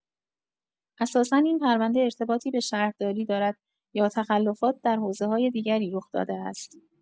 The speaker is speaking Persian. اساسا این پرونده ارتباطی به شهرداری دارد یا تخلفات در حوزه‌های دیگری رخ داده است؟